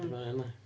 mae o yndi.